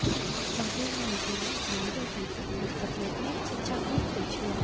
còn bên này thì mọi thứ đều phải tự mình cập nhật hết trên trang web của trường